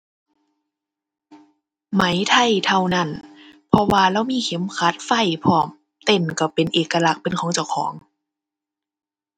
ไหมไทยเท่านั้น เพราะว่าเลามีเข็มขัดไฟพร้อม เต้นก็เป็นเอกลักษณ์เป็นของเจ้าของ